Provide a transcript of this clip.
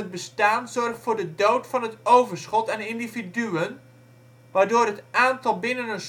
bestaan zorgt voor de dood van het overschot aan individuen, waardoor het aantal binnen